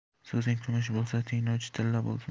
so'zing kumush bo'lsa tinglovchi tilla bo'lsin